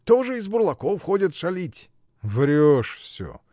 тоже из бурлаков ходят шалить. — Врешь всё!